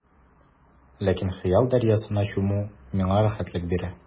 Ләкин хыял дәрьясына чуму миңа рәхәтлек бирә.